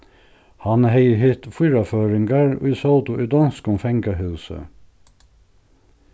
hann hevði hitt fýra føroyingar ið sótu í donskum fangahúsi